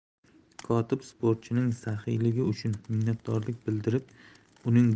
kotib sportchining saxiyligi uchun minnatdorlik bildirib uning